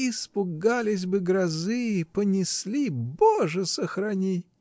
— Испугались бы грозы, понесли — Боже сохрани!